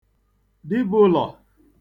dibụlọ̀